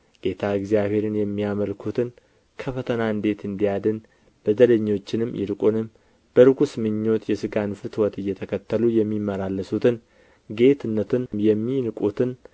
ጌታ እግዚአብሔርን የሚያመልኩትን ከፈተና እንዴት እንዲያድን በደለኞችንም ይልቁንም በርኵስ ምኞት የሥጋን ፍትወት እየተከተሉ የሚመላለሱትን ጌትነትንም የሚንቁትን